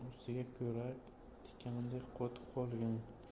tikandek qotib qolgan